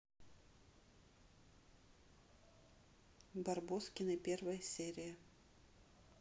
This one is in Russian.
барбоскины первые серии